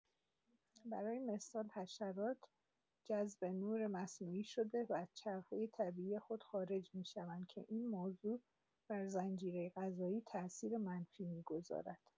برای مثال، حشرات جذب نور مصنوعی شده و از چرخه طبیعی خود خارج می‌شوند که این موضوع بر زنجیره غذایی تاثیر منفی می‌گذارد.